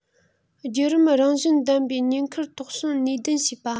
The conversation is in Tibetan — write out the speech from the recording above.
རྒྱུད རིམ རང བཞིན ལྡན པའི ཉེན ཁར དོགས ཟོན ནུས ལྡན བྱེད པ